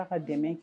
Ka dɛmɛ